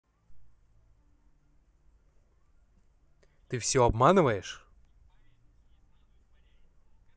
ты все обманываешь